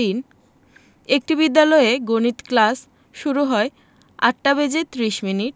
৩ একটি বিদ্যালয়ে গণিত ক্লাস শুরু হয় ৮টা বেজে৩০ মিনিট